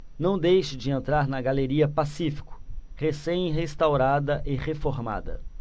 não deixe de entrar na galeria pacífico recém restaurada e reformada